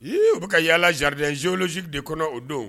Ee u bɛ ka yala yaala zarid zesi de kɔnɔ o don